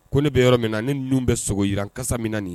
Ko ne bɛ yɔrɔ min na , ne nun bɛ sogo yiran kasa min na nin